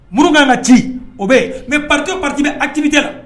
Minnu k'an ka ci, o bɛ yen mais parti o parti bɛ activité la